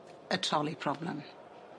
Y troli problem.